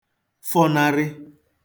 fọnarị